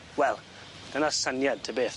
Wel, dyna'r syniad, ta beth.